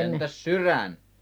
entäs sydän